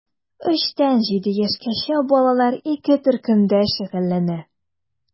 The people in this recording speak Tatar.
3 тән 7 яшькәчә балалар ике төркемдә шөгыльләнә.